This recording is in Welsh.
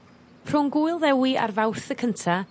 Rhwng gŵyl Ddewi ar Fawrth y cynta